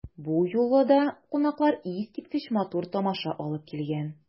Бу юлы да кунаклар искиткеч матур тамаша алып килгән.